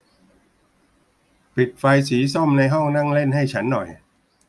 ปิดไฟสีส้มในห้องนั่งเล่นให้ฉันหน่อย